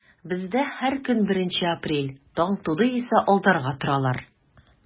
Бездә һәр көн беренче апрель, таң туды исә алдарга торалар.